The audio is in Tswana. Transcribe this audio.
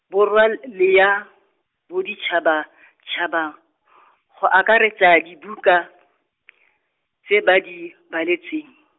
borwa l- le ya, boditšhabatšhaba , go akaretsa dibuka, tse ba di, baletsweng.